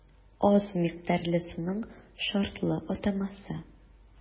Аз микъдарлы суның шартлы атамасы.